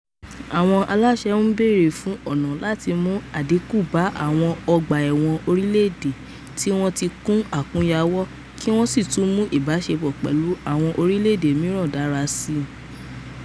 Àwọn aláṣẹ ń bèrè fún ọ̀nà láti mú àdínkù bá àwọn ọgbà ẹ̀wọ̀n orílẹ̀-èdè tí wọ́n ti kún àkúnyawọ́ kí wọ́n sì tún mú ìbáṣepọ̀ pẹ̀lú àwọn orílẹ̀-èdè mìíràn dára síi.